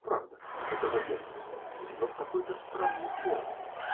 Правда, это военный, но в какой-то странной форме.